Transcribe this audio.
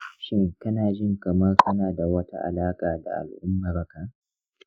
shin kana jin kamar kana da wata alaƙa da al'ummarka?